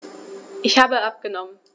Ich habe abgenommen.